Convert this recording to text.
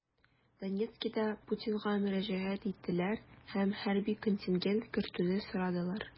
Донецкида Путинга мөрәҗәгать иттеләр һәм хәрби контингент кертүне сорадылар.